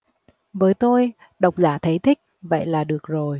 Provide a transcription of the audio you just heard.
với tôi độc giả thấy thích vậy là được rồi